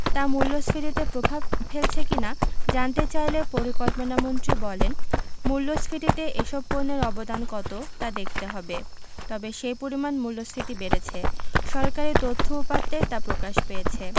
তা মূল্যস্ফীতিতে প্রভাব ফেলছে কি না জানতে চাইলে পরিকল্পনামন্ত্রী বলেন মূল্যস্ফীতিতে এসব পণ্যের অবদান কত তা দেখতে হবে তবে সেই পরিমাণ মূল্যস্ফীতি বেড়েছে সরকারি তথ্য উপাত্তে তা প্রকাশ পেয়েছে